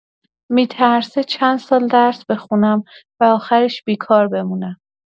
می‌ترسه چند سال درس بخونم و آخرش بیکار بمونم.